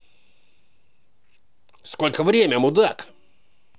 сколько время мудак